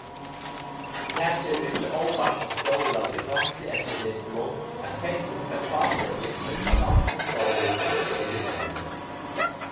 tað kemur ikki óvart á stjóran í dátueftirlitinum at tekniska kt-trygdin hjá landsins stovnum ikki er í lagi